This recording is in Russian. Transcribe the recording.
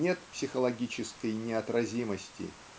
нет психологической неотразимости